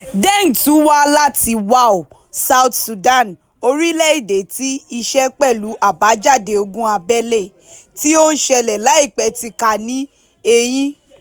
Deng tún wá láti Wau, South Sudan, orílẹ̀-èdè tí ìṣẹ́ pẹ̀lú àbájáde ogun abẹ́lé tí ó ṣẹlẹ̀ láìpẹ́ ti ká ní eyín.